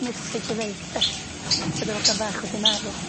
message i ddeud 'de bod yr 'ogan bach wedi marw.